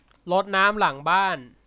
รดน้ำหลังบ้าน